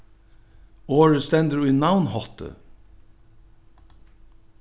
orðið stendur í navnhátti